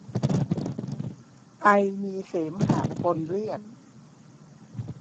ไอมีเสมหะปนเลือด